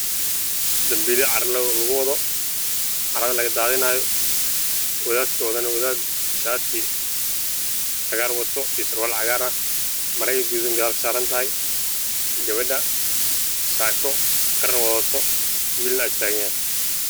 Meeshan waxaa ka muuqdo niman iyo noogu ka shaqeynayo meel oo guriyaan ciid oo aada iyo aada u rafaadsan